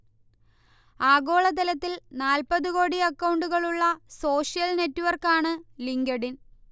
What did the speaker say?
ആഗോളതലത്തിൽ നാൽപത് കോടി അക്കൗണ്ടുകളുള്ള സോഷ്യൽ നെറ്റ്വർക്കാണ് ലിങ്കഡ്ഇൻ